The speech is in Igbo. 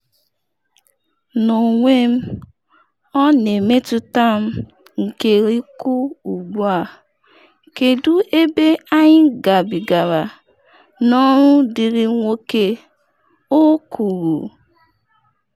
‘N’onwe m, ọ na-emetụta m nke ukwuu, ugbu a - kedu ebe anyị gabigara n’ọrụ dịrị nwoke?,’ o kwuru.